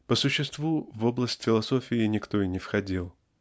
По существу в область философии никто и не входил